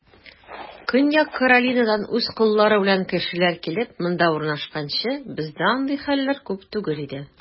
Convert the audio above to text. Көньяк Каролинадан үз коллары белән кешеләр килеп, монда урнашканчы, бездә андый хәлләр күп түгел иде.